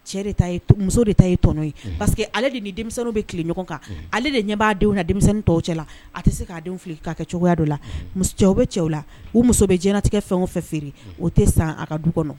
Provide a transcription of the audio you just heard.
Cɛ muso de ta tɔnɔ ye parceseke ale de ni denmisɛnninw bɛ tile ɲɔgɔn kan ale de ɲɛ b'a denw na tɔw cɛ la a tɛ se k'a denw fili kɛ cogoyaya dɔ la cɛw bɛ cɛw la u muso bɛ jɛnɛɲɛnatigɛ fɛn o fɛ feere o tɛ san a ka du kɔnɔ